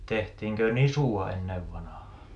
tehtiinkö nisua ennen vanhaan